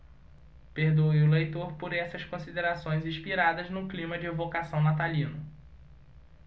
perdoe o leitor por essas considerações inspiradas no clima de evocação natalino